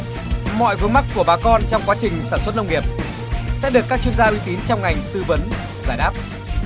mọi vướng mắc của bà con trong quá trình sản xuất nông nghiệp sẽ được các chuyên gia uy tín trong ngành tư vấn giải đáp